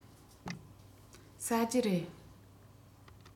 ཟ རྒྱུ རེད